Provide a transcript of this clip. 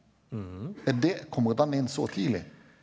er det kommer den inn så tidlig?